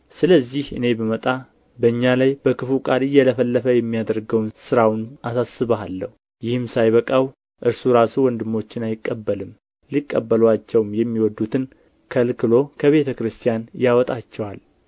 ስለዚህ እኔ ብመጣ በእኛ ላይ በክፉ ቃል እየለፈለፈ የሚያደርገውን ሥራውን አሳስባለሁ ይህም ሳይበቃው እርሱ ራሱ ወንድሞችን አይቀበልም ሊቀበሉአቸውም የሚወዱትን ከልክሎ ከቤተ ክርስቲያን ያወጣቸዋል